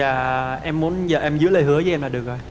à em muốn vợ em giữ lời hứa với em là được rồi